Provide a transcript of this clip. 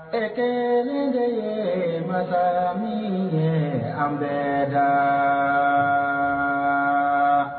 Ɛ kelen ye ma min anan bɛ la